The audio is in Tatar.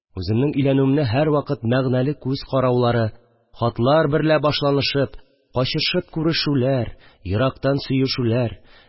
Үземнең өйләнүемне һәрвакыт мәгънәле күз караулары, хатлар берлә башланышып, качышып күрешүләр, ерактан сөешүләр